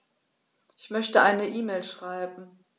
Ich möchte eine E-Mail schreiben.